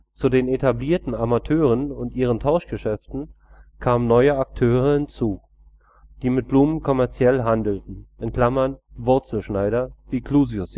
Zu den etablierten Amateuren und ihren Tauschgeschäften kamen neue Akteure hinzu, die mit Blumen kommerziell handelten (rhizotomi ‚ Wurzelschneider ‘, wie Clusius sie nannte). Es finden sich aber auch Belege, dass die